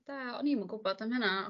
Da o'n i'm yn gwbod am hynna